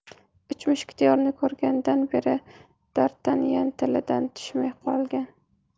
uch mushketyorni ko'rgandan beri dartanyan tilidan tushmay qolgan